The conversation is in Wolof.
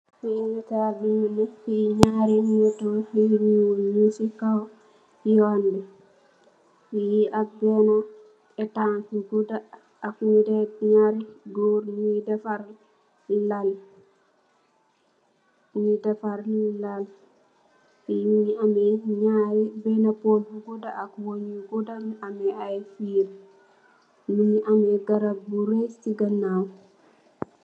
Fii ñaari "motto", ñung si kow yoon bi, ak beenë etaas bu gudda, ak ñarri goor ñu ngi defar, lal. Fii mu ngi am, ñarri pool yu gudda, ak mu ngi amee ay fiil, mu ngi amee garab yu riis ci ganaaw.